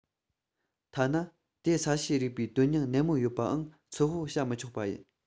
ཐ ན དེ ས གཤིས རིག པའི དོན སྙིང ནན མོ ཡོད པའང ཚོད དཔག བྱ མི ཆོག པ ཡིན